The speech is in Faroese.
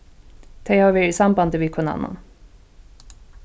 tey hava verið í sambandi við hvønn annan